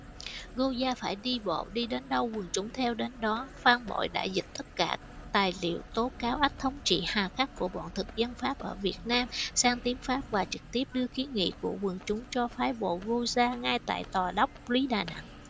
gô da phải đi bộ đi đến đâu quần chúng theo đến đó phan bôi đã dịch tất cả tài liệu tố cáo ách thống trị hà khắc của bọn thực dân pháp ở việt nam sang tiếng pháp và trực tiếp đưa kiến nghị của quần chúng cho phái bộ gô da ngay tại tòa đốc lý đà nẵng